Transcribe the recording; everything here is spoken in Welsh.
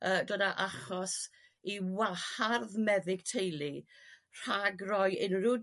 Yrr dod a achos i wahardd meddyg teulu rhag roi unrhyw